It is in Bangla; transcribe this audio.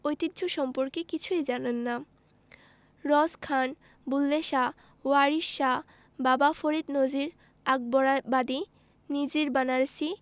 ঐতিহ্য সম্পর্কে কিছুই জানেন না রস খান বুল্লে শাহ ওয়ারিশ শাহ বাবা ফরিদ নজির আকবরাবাদি নিজির বানারসি